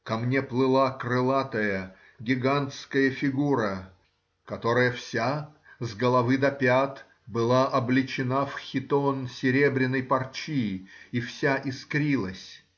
ко мне плыла крылатая гигантская фигура, которая вся с головы до пят была облечена в хитон серебряной парчи и вся искрилась